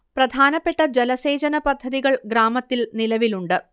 പ്രധാനപ്പെട്ട ജലസേചന പദ്ധതികൾ ഗ്രാമത്തിൽ നിലവിൽ ഉണ്ട്